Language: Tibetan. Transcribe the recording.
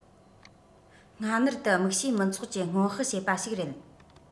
སྔ སྣུར དུ དམིགས བྱའི མི ཚོགས ཀྱི སྔོན དཔག བྱེད པ ཞིག རེད